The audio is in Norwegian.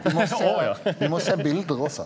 vi må se vi må se bilder også.